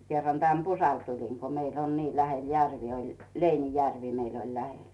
kerran tänne Pusalle tulin kun meillä on niin lähellä järvi oli Leinijärvi meillä oli lähellä